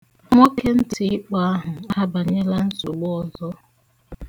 Nwoke ntị ịkpọ ahụ abanyela nsogbu ọzọ.